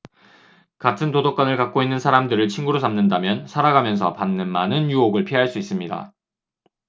같은 도덕관을 갖고 있는 사람들을 친구로 삼는다면 살아가면서 받는 많은 유혹을 피할 수 있습니다